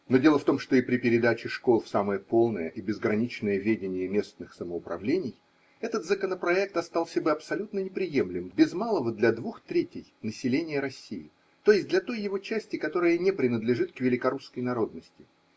Но дело в том, что и при передаче школ в самое полное и безграничное ведение местных самоуправлений – этот законопроект остался бы абсолютно неприемлем без малого для двух третей населения России, т.е. для той его части, которая не принадлежит к великорусской народности.